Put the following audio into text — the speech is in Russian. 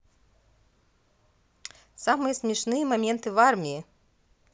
самые смешные моменты в армии